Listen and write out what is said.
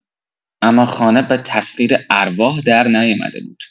اما خانه به تسخیر ارواح درنیامده بود.